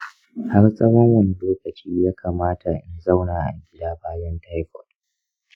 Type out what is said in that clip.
har tsawon wane lokaci ya kamata in zauna a gida bayan taifoid?